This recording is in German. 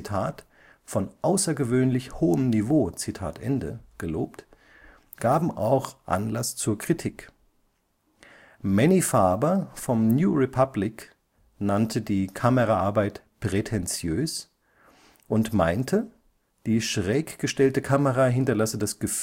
Variety als „ von außergewöhnlich hohem Niveau “gelobt, gaben auch Anlass zur Kritik. Manny Farber vom New Republic nannte die Kameraarbeit „ prätentiös “und meinte, die schräg gestellte Kamera hinterlasse das Gefühl